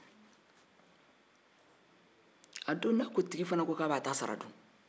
n'o tigi fana ko k'a b'a ta sara dun